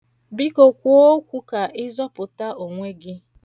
Biko kwuo okwu ka ịzọpụta onwe gị.